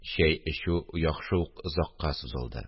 Чәй эчү яхшы ук озакка сузылды